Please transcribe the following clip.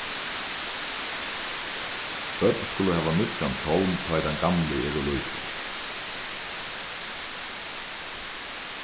børn skulu hava nýggjan hjálm tá ið tann gamli er ov lítil